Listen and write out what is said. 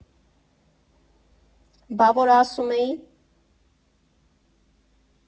Բա որ ասում էի՜